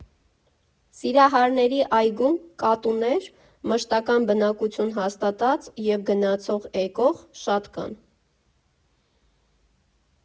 Սիրահարների այգում կատուներ՝ մշտական բնակություն հաստատած և գնացող֊եկող, շատ կան։